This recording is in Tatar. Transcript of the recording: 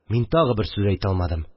Мин тагы бер сүз әйтә алмадым